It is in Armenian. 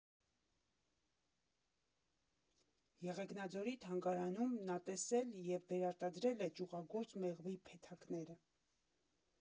Եղեգնաձորի թանգարանում նա տեսել և վերարտադրել է ճյուղագործ մեղվի փեթակները։